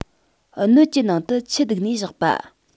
སྣོད ཀྱི ནང དུ ཆུ ལྡུགས ནས བཞག པ